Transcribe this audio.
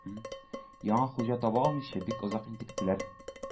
Яңа хуҗа таба алмыйча бик озак интектеләр.